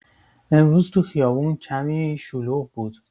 امروز تو خیابون کمی شلوغ بود.